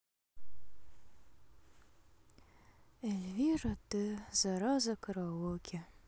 эльвира т зараза караоке